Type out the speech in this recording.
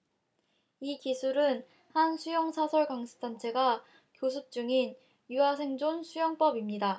이 기술은 한 수영 사설 강습 단체가 교습 중인 유아 생존 수영법입니다